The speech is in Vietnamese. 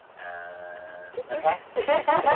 à chút chút khác khác